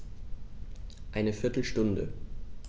Eine viertel Stunde